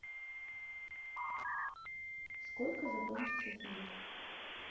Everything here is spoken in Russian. сколько закончится фильм